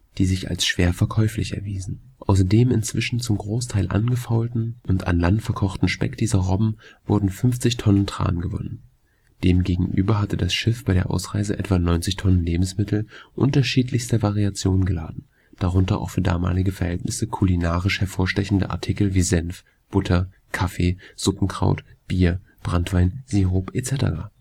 die sich als schwer verkäuflich erwiesen. Aus dem inzwischen zum Großteil angefaulten und an Land verkochten Speck dieser Robben wurden 50 Tonnen Tran gewonnen. Demgegenüber hatte das Schiff bei der Ausreise etwa 90 Tonnen Lebensmittel unterschiedlichster Variation geladen, darunter auch für damalige Verhältnisse kulinarisch hervorstechende Artikel wie Senf, Butter, Kaffee, Suppenkraut, Bier, Branntwein, Sirup etc.